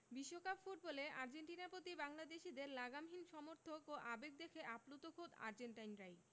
বিশ্বকাপ ফুটবলে আর্জেন্টিনার প্রতি বাংলাদেশিদের লাগামহীন সমর্থক ও আবেগ দেখে আপ্লুত খোদ আর্জেন্টাইনরাই